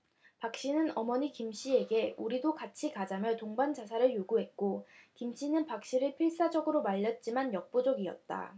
박씨는 어머니 김씨에게 우리도 같이 가자며 동반 자살을 요구했고 김씨는 박씨를 필사적으로 말렸지만 역부족이었다